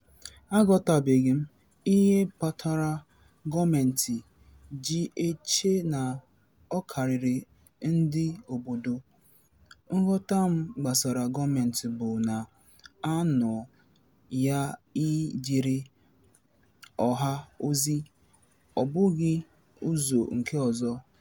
Aghọtabeghị m ihe kpatara gọọmentị ji eche na ọ karịrị ndị obodo, nghọta m gbasara gọọmentị bụ na ha nọ ya ị jere ọha ozi, ọ bụghị n'ụzọ nke ọzọ.